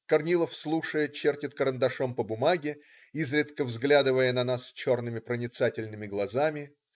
Корнилов, слушая, чертит карандашом по бумаге, изредка взглядывая на нас черными проницательными глазами.